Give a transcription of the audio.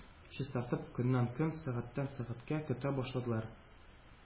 Чистартып көннән-көн, сәгатьтән-сәгатькә көтә башладылар,